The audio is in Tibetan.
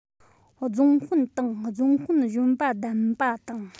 རྫོང དཔོན དང རྫོང དཔོན གཞོན པ བདམས པ དང